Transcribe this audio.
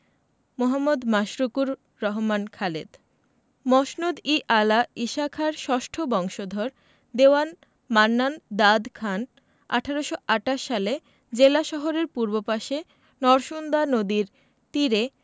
মো. মাশরুকুর রহমান খালেদ মসনদ ই আলা ঈশাখার ষষ্ঠ বংশধর দেওয়ান মান্নান দাদ খান ১৮২৮ সালে জেলা শহরের পূর্ব পাশে নরসুন্দা নদীর তীরে